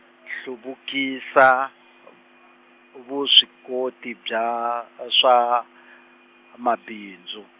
hluvukisa, vuswikoti bya swa, mabindzu.